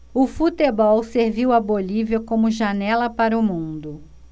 o futebol serviu à bolívia como janela para o mundo